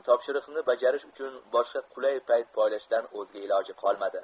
topshiriqni bajarish uchun boshqa qulay payt poylashdan o'zga iloji qolmadi